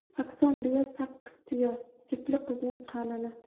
sakson biya sakkiz tuya sepli qizning qalini